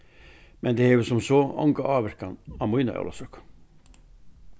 men tað hevur sum so onga ávirkan á mína ólavsøku